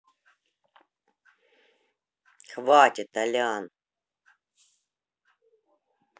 хватит толян